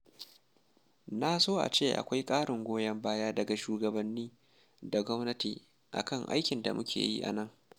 Na so ace akwai ƙarin goyon baya daga shugabanni da gwamnati a kan aikin da muke yi a nan.